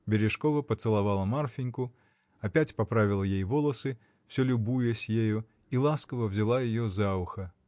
Бережкова поцеловала Марфиньку, опять поправила ей волосы, всё любуясь ею, и ласково взяла ее за ухо.